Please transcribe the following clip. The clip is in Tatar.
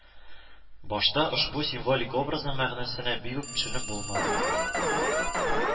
Башта ошбу символик образның мәгънәсенә бик үк төшенеп булмады